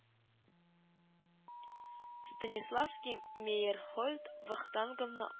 Станиславский, Мейерхольд, Вахтанговны